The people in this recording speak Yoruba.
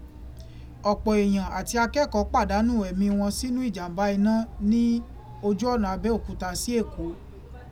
Ọ̀pọ̀ èèyàn àti akẹ́kọ̀ọ́ pàdánù ẹ̀mí wọn sínú ìjàmbá iná ni ojú ọ̀nà Abẹ́òkúta sí Èkó.